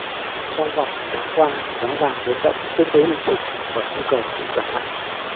trong vòng một tháng qua giá vàng biến động tương đối lình xình bởi nhu cầu sụt giảm mạnh